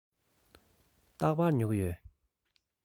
རྟག པར ཉོ གི ཡོད